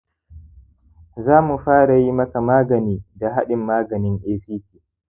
zamu fara yi maka magani da hadin maganin act